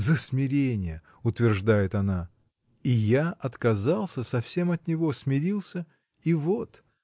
“За смирение”, утверждает она: и я отказался совсем от него, смирился — и вот!